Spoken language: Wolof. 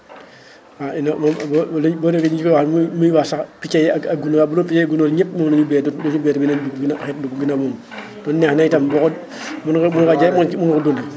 ah moom boo walaay boo nee dañu fi wax muy muy wax sax picc yi ak ak ****** ñëpp moom la ñuy béyee dootuñu béyee beneen xeetu dugub bu dul moom kon neex na itam boo ko mën nga kaa jaay mën nga ci mën nga koo dundee